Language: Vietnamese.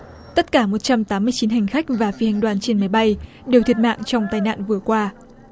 tất cả một trăm tám mươi chín hành khách và phi hành đoàn trên máy bay đều thiệt mạng trong tai nạn vừa qua